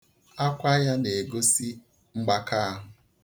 Akwa ya na-egosi mgbaka ahụ.